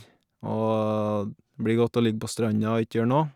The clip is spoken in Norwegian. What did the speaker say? Og d blir godt å ligge på stranda og ikke gjøre noe.